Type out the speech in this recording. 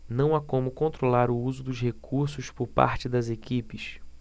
não há como controlar o uso dos recursos por parte das equipes